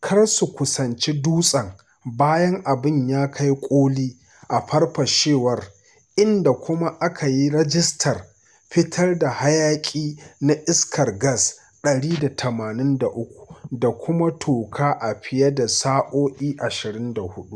kar su kusanci dutsen bayan abin ya kai ƙoli a farfashewar inda kuma a ka yi rijistar fitar da hayaƙi na iskar gas 183 da kuma toka ta fiye da sa’o’i 24.